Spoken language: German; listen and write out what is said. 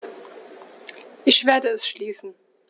Ich werde es schließen.